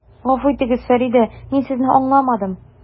Гафу итегез, Фәридә, мин Сезне аңламадым.